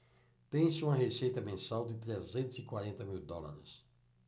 tem-se uma receita mensal de trezentos e quarenta mil dólares